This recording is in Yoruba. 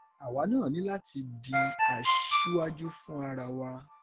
Àwa náà ní láti di aṣíwájú fún ara wa.